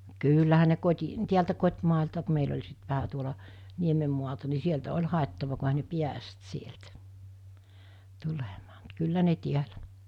kyllähän ne - kotitieltä kotimäeltä kun meillä oli sitten vähän tuolla niemen maalta niin sieltä oli haettava kun eihän ne päässyt sieltä tulemaan mutta kyllä ne täällä